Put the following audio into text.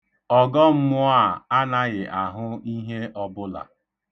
Ọgọmmụọ a anagḥi ahụ ihe ọbụla.